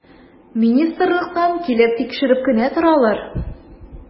Министрлыктан килеп тикшереп кенә торалар.